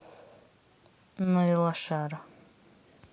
ну и лошары